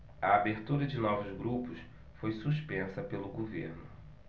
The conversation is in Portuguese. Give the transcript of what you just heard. a abertura de novos grupos foi suspensa pelo governo